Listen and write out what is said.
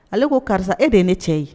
Ale ko karisa e de ye ne cɛ ye.